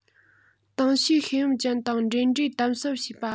ཏང ཕྱིའི ཤེས ཡོན ཅན དང འབྲེལ འདྲིས དམ ཟབ བྱེད པ